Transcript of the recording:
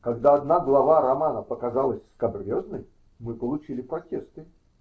когда одна глава романа показалась скабрезной, мы получили протесты.